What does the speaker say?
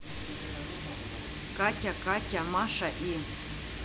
катя катя маша и